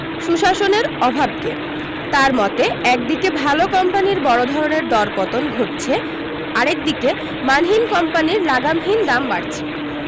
সুশাসনের অভাবকে তাঁর মতে একদিকে ভালো কোম্পানির বড় ধরনের দরপতন ঘটছে আরেক দিকে মানহীন কোম্পানির লাগামহীন দাম বাড়ছে